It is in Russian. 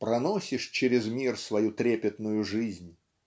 проносишь через мир свою трепетную жизнь.